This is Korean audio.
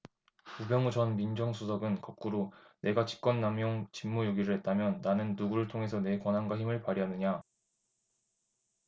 우병우 전 민정수석은 거꾸로 내가 직권남용 직무유기를 했다면 나는 누구를 통해서 내 권한과 힘을 발휘하느냐